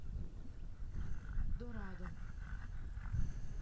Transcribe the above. дорадо